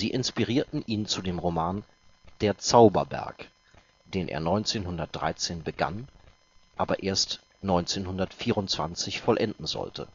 inspirierten ihn zu dem Roman Der Zauberberg, den er 1913 begann, aber erst 1924 vollenden sollte